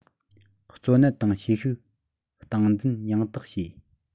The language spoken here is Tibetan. གཙོ གནད དང བྱེད ཤུགས སྟངས འཛིན ཡང དག བྱས